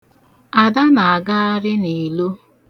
Ada na-agagharị n'ilo.